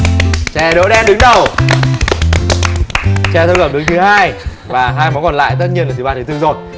chè đỗ đen đứng đầu chè thập cẩm đứng thứ hai và hai món còn lại tất nhiên là thứ ba thứ tư rồi